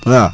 waa